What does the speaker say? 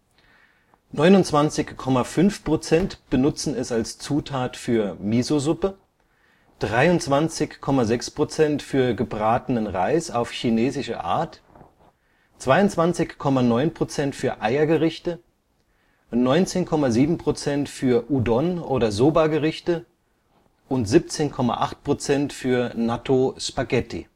29,5 % benutzen es als Zutat für Misosuppe, 23,6 % für gebratenen Reis auf chinesische Art, 22,9 % für Eiergerichte, 19,7 % für Udon - oder Soba-Gerichte und 17,8 % für Nattō-Spaghetti